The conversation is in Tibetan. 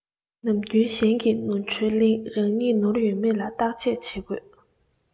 ནམ རྒྱུན གཞན གྱི ནོར འཁྲུལ གླེང རང ཉིད ནོར ཡོད མེད ལ བརྟག དཔྱད བྱེད དགོས